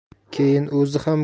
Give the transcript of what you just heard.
keyin o'zi ham